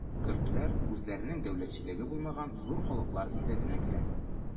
Көрдләр үзләренең дәүләтчелеге булмаган зур халыклар исәбенә керә.